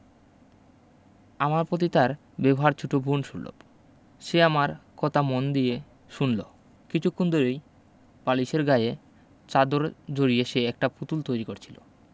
আমার পতি তার ব্যবহার ছোট বোন সুলভ সে আমার কথা মন দিয়ে শুনলো কিছুক্ষণ ধরেই বালিশের গায়ে চাদর জড়িয়ে সে একটা পুতুল তৈরি করছিলো